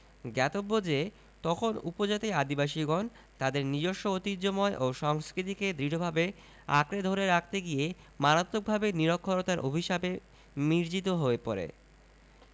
জ্ঞাতব্য যে তখন উপজাতি আদিবাসীগণ তাদের নিজস্ব ঐতিহ্যময় ও সংস্কৃতিকে দৃঢ়ভাবে আঁকড়ে ধরে রাখতে গিয়ে মারাত্মকভাবে নিরক্ষরতার অভিশাপে মির্জ্জিত হয়ে পড়ে